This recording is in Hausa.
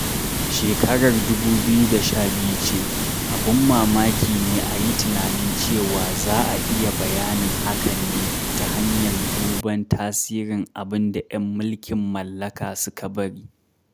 Shekarar 2012 ce, abun mamaki ne a yi tunanin cewa za a iya bayanin hakan ne ta hanyar duban tasirin abin da 'yan mulkin mallaka suka bari.